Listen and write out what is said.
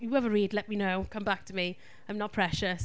you have a read, let me know, come back to me, I'm not precious...